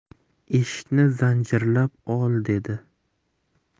eshikni zanjirlab ol dedi